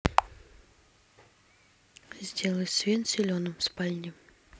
сделай свет зеленым в спальне